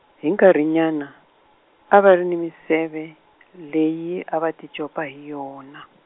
hi nkarhinyana, a va ri ni minseve, leyi a va ti copa hi yona.